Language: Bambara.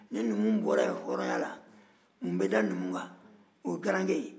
ni numu bɔra yen hɔrɔnya la mun bɛ da numun kan o ye garankɛ ye